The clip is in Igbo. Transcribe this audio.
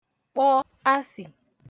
kpọ asị̀